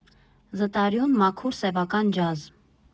Զտարյուն, մաքուր սևական ջազ։